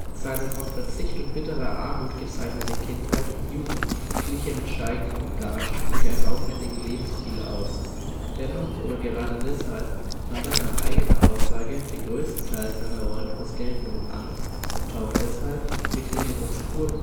Seine von Verzicht und bitterer Armut gezeichnete Kindheit und Jugend glich er mit steigenden Gagen durch einen aufwendigen Lebensstil aus. Dennoch oder gerade deshalb nahm er nach eigener Aussage den größten Teil seiner Rollen aus Geldnot an und taucht deshalb mithin in obskuren Produktionen